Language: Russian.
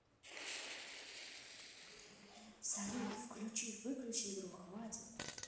салют включи выключи игру хватит